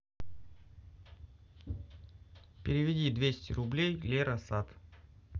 переведи двести рублей лера сад